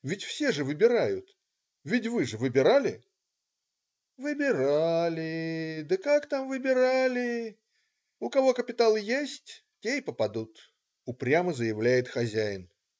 ведь все же выбирают, ведь вы же выбирали?" "Выбирали, да как там выбирали, у кого капиталы есть, те и попадут",упрямо заявляет хозяин.